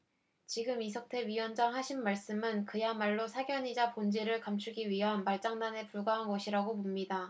지금 이석태 위원장 하신 말씀은 그야말로 사견이자 본질을 감추기 위한 말장난에 불과한 것이라고 봅니다